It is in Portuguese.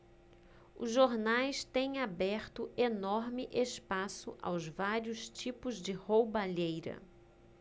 os jornais têm aberto enorme espaço aos vários tipos de roubalheira